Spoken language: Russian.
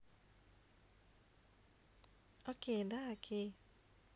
окей да окей